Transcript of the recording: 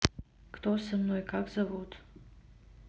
кто со мной как зовут